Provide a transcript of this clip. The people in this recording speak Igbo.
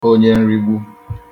onyenrigbu